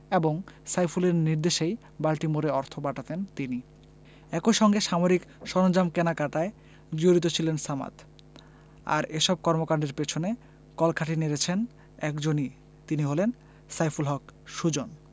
এবং সাইফুলের নির্দেশেই বাল্টিমোরে অর্থ পাঠাতেন তিনি একই সঙ্গে সামরিক সরঞ্জাম কেনাকাটায় জড়িত ছিলেন সামাদ আর এসব কর্মকাণ্ডের পেছনে কলকাঠি নেড়েছেন একজনই তিনি হলেন সাইফুল হক সুজন